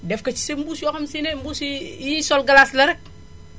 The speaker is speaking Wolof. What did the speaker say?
def ko si mbuus yoo xam ne si ne mbuus yi yiy sol galaas la rekk